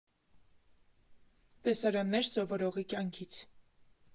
«Տեսարաններ սովորողի կյանքից»